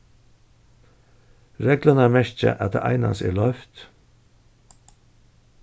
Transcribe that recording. reglurnar merkja at tað einans er loyvt